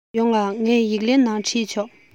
ཡོང ང ངས ཡིག ལན ནང བྲིས ཆོག